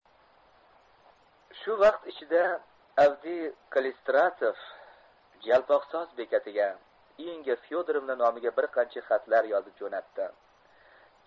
shu vaqt ichida avdiy kallistratov jalpoq soz bekatiga inga fyodorovna nomiga bir qancha xatlar yozib jo'natdi